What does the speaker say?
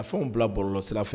A fɛnw bila barolɔ sira fɛ